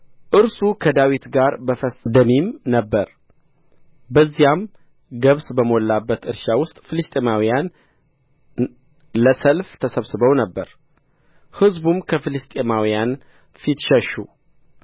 እርሱ ከዳዊት ጋር በፈስደሚም ነበረ በዚያም ገብስ በሞላበት እርሻ ውስጥ ፍልስጥኤማውያን ለሰልፍ ተሰብስበው ነበር ሕዝቡም ከፍልስጥኤማውያን ፊት ሸሹ